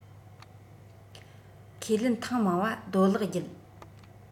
ཁས ལེན ཐེངས མང བ རྡོ ལག བརྒྱུད